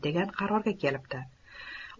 degan qarorga kelibdi